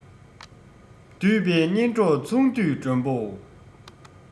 འདུས པའི གཉེན གྲོགས ཚོང འདུས མགྲོན པོ